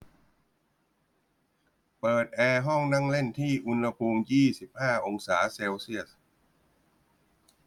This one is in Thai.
เปิดแอร์ห้องนั่งเล่นที่อุณหภูมิยี่สิบห้าองศาเซลเซียส